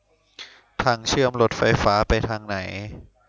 ทางเชื่อมรถไฟฟ้าไปทางไหน